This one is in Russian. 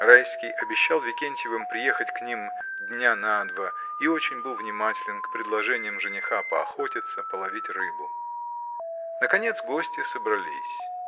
Райский обещал Викентьевым приехать к ним дня на два и очень был внимателен к предложениям жениха поохотиться, половить рыбу. Наконец гости собрались.